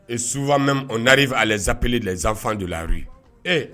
E sufa mɛn o n naare fɛ zsaapeli zsafandulari ee